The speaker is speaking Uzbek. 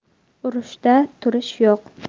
urushda turish yo'q